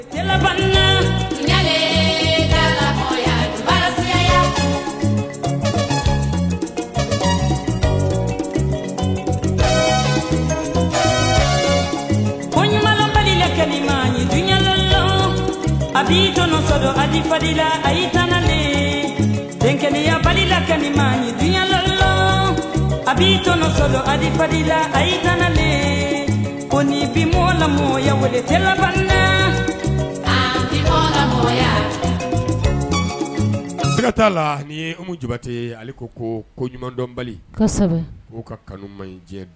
Tlaɛlɛyabayaya ko ɲumanlabali lakɛmaɲaɛlɛ a b'i a fala a tananalen denkyabali lamaɲala a b'isa ani fala a' taanalen ko ni bi laya wele t labalila a laya a sɛgɛ ka t'a la ni ye an jubate ale ko ko ko ɲumandɔnbali kosɛbɛ ka kanu man ɲi jɛ